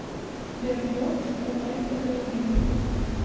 sberbox давай поговорим